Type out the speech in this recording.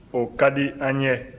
o ka di an ye